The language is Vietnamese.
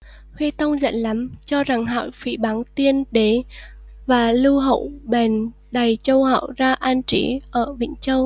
huy tông giận lắm cho rằng hạo phỉ báng tiên đế và lưu hậu bèn đày châu hạo ra an trí ở vĩnh châu